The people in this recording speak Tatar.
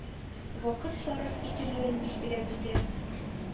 Вакыт сарыф ителүен билгеләп үтә.